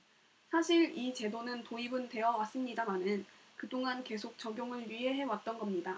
사실 이 제도는 도입은 되어 왔습니다마는 그동안 계속 적용을 유예해 왔던 겁니다